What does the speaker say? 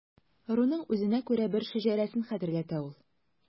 Ыруның үзенә күрә бер шәҗәрәсен хәтерләтә ул.